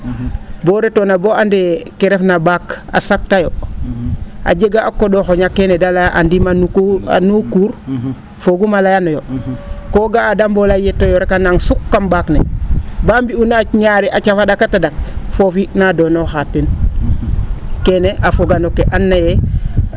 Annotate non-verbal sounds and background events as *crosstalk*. bo retoona bo and ee ke refna ?aak a saqtaayo a jega a qo?oxoñ aka keene de layaa andiim *unintelligible* fogum a layanooyo koo ga'a de a mbola yetooyo rek a nan suq kam ?aak ne baa mbi'una a cafa ?ak a tadak foofi na donooxaa teen keene a foga no kee andoona yee